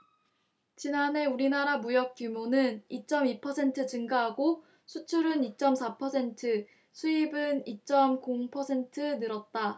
지난해 우리나라 무역 규모는 이 쩜 이 퍼센트 증가하고 수출은 이 쩜 사 퍼센트 수입은 이 쩜 공 퍼센트 늘었다